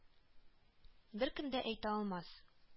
Беркем дә әйтә алмас